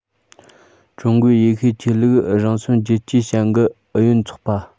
ཀྲུང གོའི ཡེ ཤུ ཆོས ལུགས རང གསུམ རྒྱལ གཅེས བྱ འགུལ ཨུ ཡོན ཚོགས པ